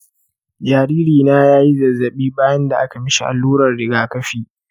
jaririna ya yi zazzabi bayan da akayi mishi allurar rigakafi.